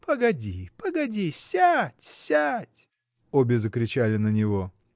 — Погоди, погоди — сядь, сядь! — обе закричали на него.